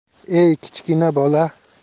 ey kichkina bola